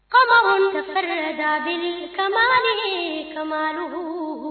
Faamakunkisɛ da ka jigi kadugu